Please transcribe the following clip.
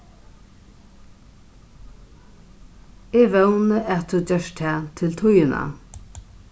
eg vóni at tú gert tað til tíðina